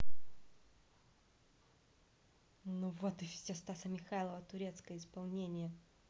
ну вот и все стаса михайлова турецкая исполнение